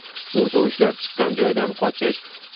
bu tovushlar chiqqan joydan qochish